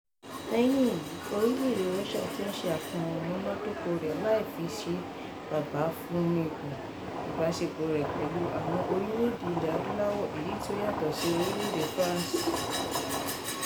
Lórí èyí orílẹ̀-èdè Russia tí ṣe àfihàn ìmúnádóko rẹ̀ láì fi ìṣe bàbá fún ní bọ ìbáṣepọ̀ rẹ̀ pẹ̀lú àwọn orílẹ̀ èdè Ilẹ̀ Adúláwò, èyí tí ó yàtọ̀ sí ti orílẹ̀ èdè France.